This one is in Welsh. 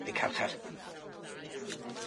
Neu carchar?